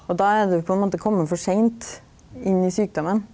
og då er du på ein måte komme for seint inn i sjukdommen.